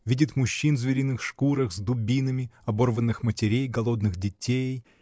видит мужчин в звериных шкурах, с дубинами, оборванных матерей, голодных детей